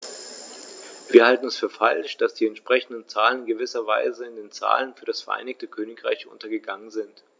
Wir halten es für falsch, dass die entsprechenden Zahlen in gewisser Weise in den Zahlen für das Vereinigte Königreich untergegangen sind.